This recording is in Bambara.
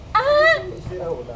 Ɛɛ